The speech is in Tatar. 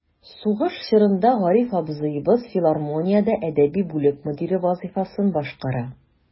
Сугыш чорында Гариф абзыебыз филармониядә әдәби бүлек мөдире вазыйфасын башкара.